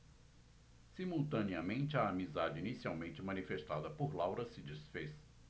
simultaneamente a amizade inicialmente manifestada por laura se disfez